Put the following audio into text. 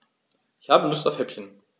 Ich habe Lust auf Häppchen.